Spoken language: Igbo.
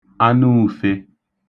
anuūfē